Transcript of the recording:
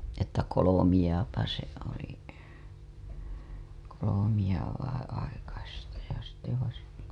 että kolmea se oli kolmea vai aikaista ja sitten vasikoita